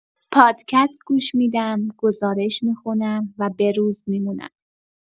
پادکست گوش می‌دم، گزارش می‌خونم و به‌روز می‌مونم.